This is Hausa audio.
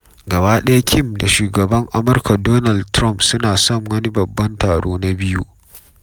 Gaba ɗaya Kim da Shugaban Amurka Donald Trump suna son wani babban taro na biyu.